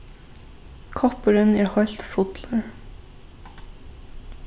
koppurin er heilt fullur